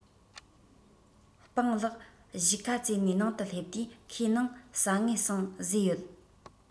སྤང ལགས གཞིས ཁ རྩེ ནས ནང དུ སླེབས དུས ཁོའི ནང ཟང ངེ ཟིང བཟོས ཡོད